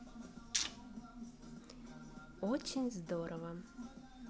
очень здорово